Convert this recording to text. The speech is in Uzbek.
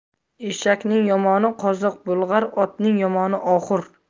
eshakning yomoni qoziq bulg'ar otning yomoni oxur